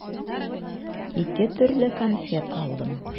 Ике төрле конфет алдым.